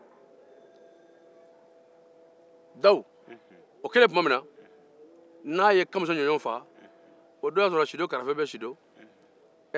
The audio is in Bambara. o kɛlen tuma min na n'a ye kamisa ɲɔɲɔ faa o don sido karafe bɛ sido